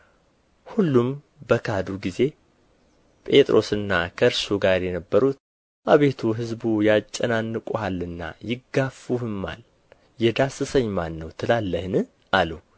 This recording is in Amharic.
ሁሉም በካዱ ጊዜ ጴጥሮስና ከእርሱ ጋር የነበሩት አቤቱ ሕዝቡ ያጫንቁሃልና ያጋፉህማል የዳሰሰኝ ማን ነው ትላለህን አሉ